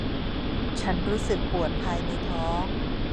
ฉันรู้สึกปวดภายในท้อง